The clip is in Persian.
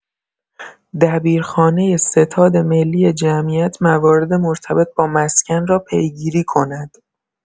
دبیرخانه ستاد ملی جمعیت موارد مرتبط با مسکن را پیگیری کند.